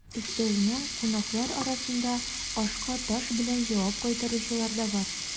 Өстәвенә, кунаклар арасында ашка таш белән җавап кайтаручылар да бар.